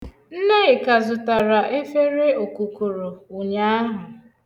Nneka zụtara efere okukoro ụnyaahụ.